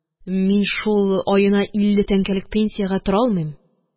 Мин шул аена илле тәңкәлек пенсиягә тора алмыйм...